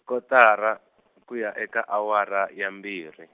kotara ku ya eka awara ya mbirhi.